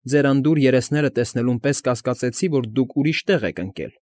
Ձեր անդուր երեսները տեսնելուն պես կասկածեցի, որ դուք ուրիշ տեղ եք ընկել։